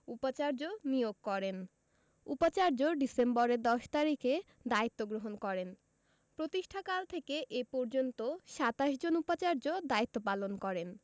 উপাচার্য নিয়োগ করেন উপাচার্য ডিসেম্বরের ১০ তারিখে দায়িত্ব গ্রহণ করেন প্রতিষ্ঠাকাল থেকে এ পর্যন্ত ২৭ জন উপাচার্য দায়িত্ব পালন করেন